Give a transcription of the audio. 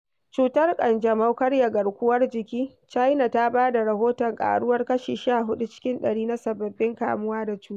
CUTAR ƘANJAMAU/Karya garkuwar jiki: China ta ba da rahoton ƙaruwar kashi 14 cikin ɗari na sababbin kamuwa da cutar